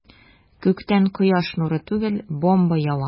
Күктән кояш нуры түгел, бомба ява.